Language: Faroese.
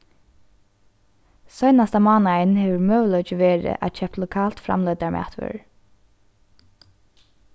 seinasta mánaðin hevur møguleiki verið at keypt lokalt framleiddar matvørur